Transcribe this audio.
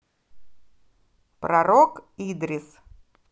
пророк идрис